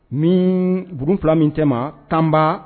NIn dugu 2 min cɛ ma Tanba